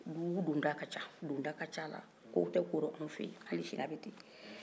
dugu donda ka can donda ka can a la ko tɛ ko la anw fɛ yan hali sini a bɛ ten